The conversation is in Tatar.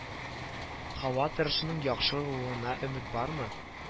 Һава торышының яхшы руына өмет бармы